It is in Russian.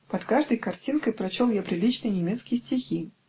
Под каждой картинкой прочел я приличные немецкие стихи.